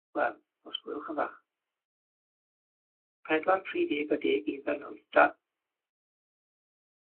Wel, os gwelwch yn dda, pedwar tri deg a deg ugain wyth, da.